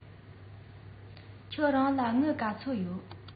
ཁྱེད རང ལ དངུལ ལ ཚོད ཡོད